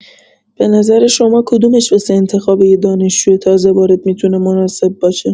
به نظر شما کدومش واسه انتخاب یه دانشجو تازه‌وارد می‌تونه مناسب باشه؟